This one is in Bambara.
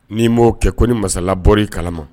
N'i n m'o kɛ ko ni masalaɔr kalama